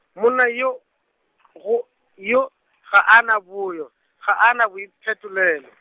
monna yo, go yo, ga a na boyo, ga a na boiphetolelo.